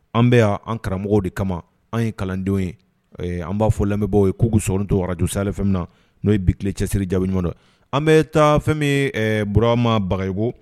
An bɛ y' an karamɔgɔ de kama an ye kalandenw ye an b'a fɔ lamɛnbɔ ye'u s to warajusa na n'o ye bile cɛsiri jaabi ɲɔgɔn dɛ an bɛ taa fɛn bmabagayiko